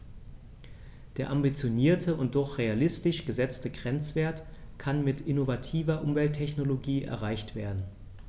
Der ambitionierte und doch realistisch gesetzte Grenzwert kann mit innovativer Umwelttechnologie erreicht werden.